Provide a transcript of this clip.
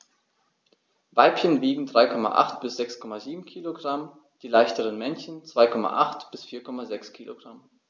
Weibchen wiegen 3,8 bis 6,7 kg, die leichteren Männchen 2,8 bis 4,6 kg.